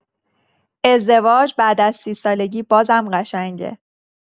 ازدواج بعد از ۳۰ سالگی بازم قشنگه!